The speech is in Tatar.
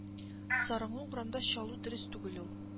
- сарыңы урамда чалу дөрес түгел ул